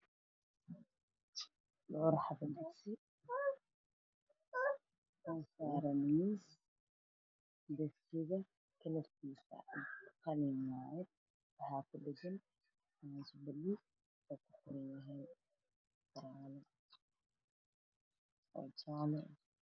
Meeshaa waxaa iga muuqda miis ay saaranyi hiin dugsiyaal isku dhex jira oo saaran miis midabkiisu yahay caddaan